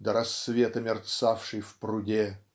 до рассвета мерцавший в пруде